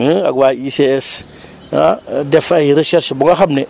ak waa ICS ah def ay recherches ba nga xam ne